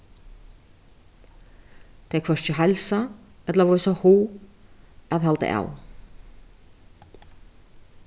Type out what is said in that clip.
tey hvørki heilsa ella vísa hug at halda av